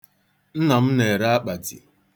Nna m na-ere akpati.